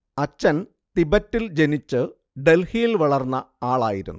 അച്ഛൻ തിബറ്റിൽ ജനിച്ച് ഡൽഹിയിൽ വളർന്ന ആളായിരുന്നു